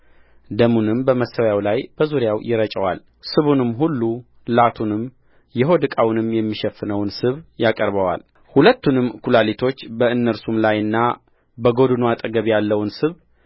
ደሙንም በመሠዊያው ላይ በዙሪያው ይረጨዋልስቡንም ሁሉ ላቱንም የሆድ ዕቃውንም የሚሸፍነውን ስብ ያቀርበዋልሁለቱንም ኵላሊቶች በእነርሱም ላይና በጎድኑ አጠገብ ያለውን ስብ